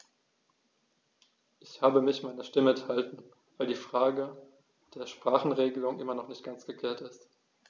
Ich habe mich meiner Stimme enthalten, weil die Frage der Sprachenregelung immer noch nicht ganz geklärt ist.